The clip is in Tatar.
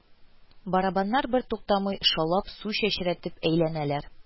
Барабаннар бертуктамый шаулап су чәчрәтеп әйләнәләр